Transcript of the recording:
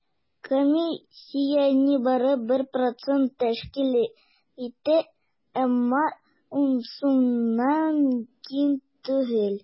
Комиссия нибары 1 процент тәшкил итә, әмма 10 сумнан ким түгел.